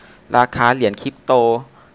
ราคาเหรียญคริปโต